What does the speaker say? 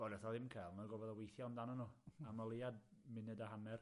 Wel, nath o ddim ca'l n'w, gorfod o weithio amdano n'w, am o leia munud a hanner .